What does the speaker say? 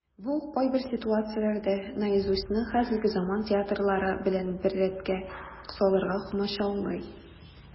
Бу кайбер ситуацияләрдә "Наизусть"ны хәзерге заман театрылары белән бер рәткә салырга комачаулый.